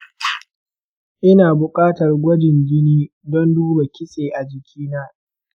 ina buƙatar gwajin jini don duba kitse a jiki na?